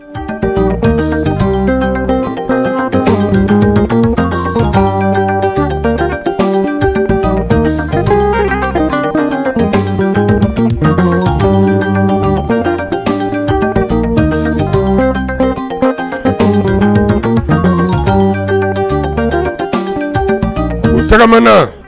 Sa